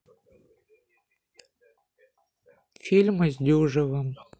фильмы с дюжевым